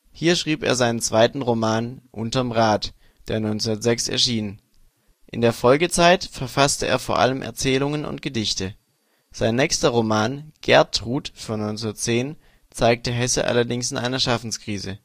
Hier schrieb er seinen zweiten Roman " Unterm Rad ", der 1906 erschien. In der Folgezeit verfasste er vor allem Erzählungen und Gedichte. Sein nächster Roman " Gertrud " von 1910 zeigte Hesse allerdings in einer Schaffenskrise